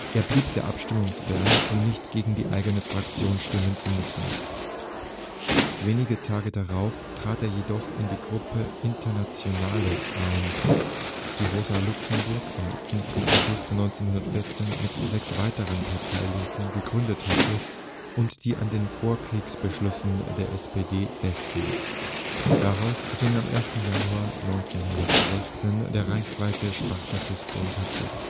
Er blieb der Abstimmung fern, um nicht gegen die eigene Fraktion stimmen zu müssen. Wenige Tage darauf trat er jedoch in die Gruppe Internationale ein, die Rosa Luxemburg am 5. August 1914 mit sechs weiteren Parteilinken gegründet hatte und die an den Vorkriegsbeschlüssen der SPD festhielt. Daraus ging am 1. Januar 1916 der reichsweite Spartakusbund hervor